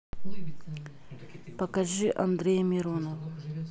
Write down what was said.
покажи андрея миронова